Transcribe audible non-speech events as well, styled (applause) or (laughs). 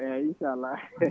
eyyi inchallah (laughs)